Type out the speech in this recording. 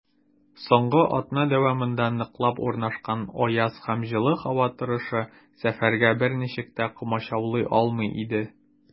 Соңгы атна дәвамында ныклап урнашкан аяз һәм җылы һава торышы сәфәргә берничек тә комачаулый алмый иде.